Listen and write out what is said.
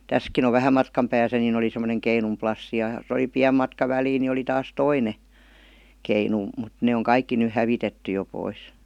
tässäkin on vähän matkan päässä niin oli semmoinen keinun plassi ja jos oli pieni matka väliä niin oli taas toinen keinu mutta ne on kaikki nyt hävitetty jo pois